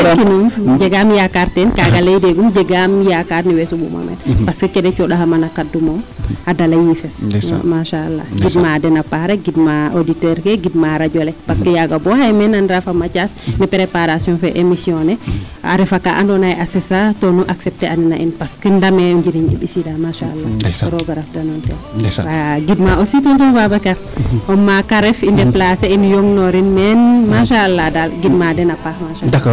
jegaam yaakaar teen kaaga layidoogum jegaam yakaar no we soɓuuma meen parce que ke da cooxaxama no kaadu moom a dala yiifes masaala gidma den a paax rek gidma auditeur ke gidma radio le parce que yaaga bo yaye mayey nanraa fo Mathiase préparation fe emission ne a refa kaa andoona yee a siisa tonu accepter na in parce :fdra que ndame o njiriñ i ɓisiida masaala roog a rafda nuun gidma aussi tonton Babacar o maak a ref i déplacer in yongnoorin meen masaala daal gidma den a paax.